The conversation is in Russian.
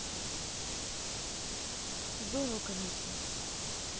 здорово конечно